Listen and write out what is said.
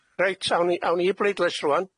Reit awn ni- awn ni i bleidlais rŵan.